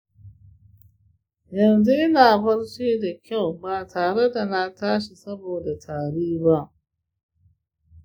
yanzu ina barci da kyau ba tare da na tashi saboda tari ba.